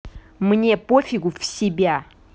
мне пофигу в себя